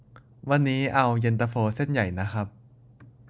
วันนี้เอาเย็นตาโฟเส้นใหญ่นะครับ